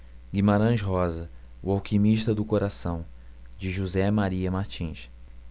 guimarães rosa o alquimista do coração de josé maria martins